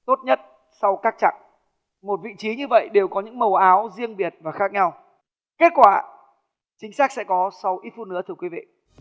tốt nhất sau các chặng một vị trí như vậy đều có những màu áo riêng biệt và khác nhau kết quả chính xác sẽ có sau ít phút nữa thưa quý vị